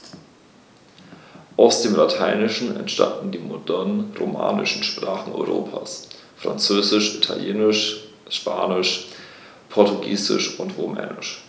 Aus dem Lateinischen entstanden die modernen „romanischen“ Sprachen Europas: Französisch, Italienisch, Spanisch, Portugiesisch und Rumänisch.